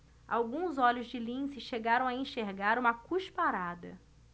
alguns olhos de lince chegaram a enxergar uma cusparada